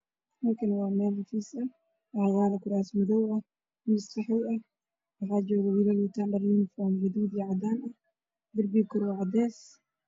Waa hool waxaa fadhiya niman wata jakado gaduud ah waxey ku fadhiyaan kuraas madow ah